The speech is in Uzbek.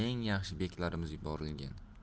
eng yaxshi beklarimiz yuborilgan